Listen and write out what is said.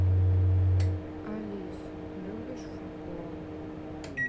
алис любишь футбол